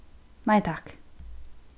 nei takk